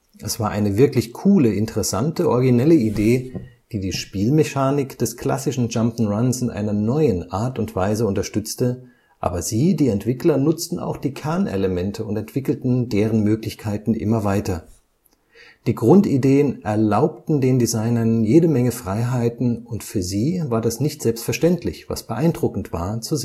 Es war eine wirklich coole, interessante, originelle Idee, die die Spielmechanik des klassischen Jump -’ n’ - Runs in einer neuen Art und Weise unterstützte, aber sie [die Entwickler] nutzten auch die Kernelemente und entwickelten deren Möglichkeiten immer weiter. Die Grundideen erlaubten den Designern jede Menge Freiheiten, und für sie war das nicht selbstverständlich, was beeindruckend war zu